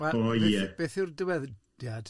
Wel, beth yw'r dywediad?